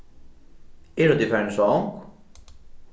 eru tit farin í song